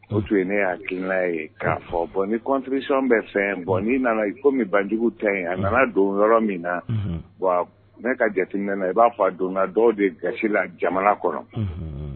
O tun ye ne y'a'ina ye k'a fɔ bɔn ni kɔntrisisɔnon bɛ fɛn bɔn' nana i komi banjugu tɛ yen a nana don yɔrɔ min na ne ka jate ne na i b'a fɔ donna dɔw de gasi la jamana kɔrɔ